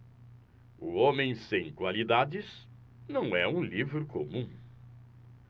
o homem sem qualidades não é um livro comum